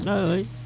ah oui